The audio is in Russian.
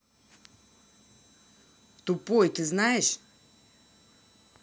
тупой ты знаешь